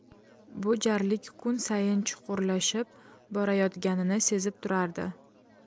bu jarlik kun sayin chuqurlashib borayotganini sezib turardi